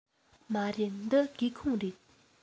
མ རེད འདི སྒེའུ ཁུང རེད